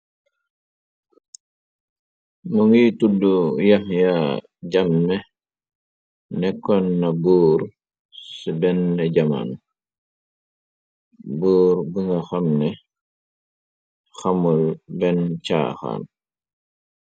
Mu ngiy tuddu yax ya jamme nekkoon na boor ci ben jamaan boor bi nga xamne xamul benn caaxaan.